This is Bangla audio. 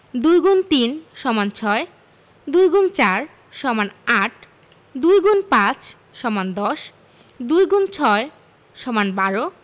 ২ X ৩ = ৬ ২ X ৪ = ৮ ২ X ৫ = ১০ ২ X ৬ = ১২